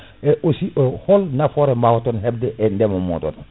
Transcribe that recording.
e aussi o hol nafoore bawaton hebde e ndeema moɗon